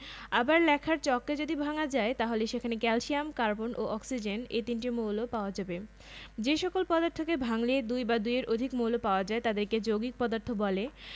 কারন মানুষের প্রধান খাদ্যশস্য হলো ভাত ধানের ফ ফলন সব জমিতে ভালো হয় না মাঝারি নিচু ও নিচু জমিতে ধানের ফলন ভালো হয় মাঝারি উচু জমিতেও ধান চাষ করা হয় কিন্তু সেক্ষেত্রে পানি সেচের ব্যাবস্থা করতে হয়